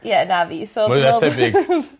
Ie na fi so dwi me'wl ...mwy tebyg